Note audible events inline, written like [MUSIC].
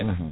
[HESITATION] [HESITATION]